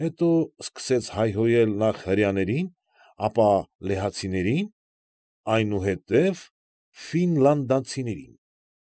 Հետո սկսեց հայհոյել նախ հրեաներին, ապա լեհացիներին, այնուհետև ֆինլանդացիներին։